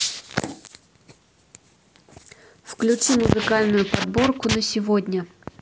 включи музыкальную подборку на сегодня